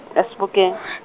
eSebokeng.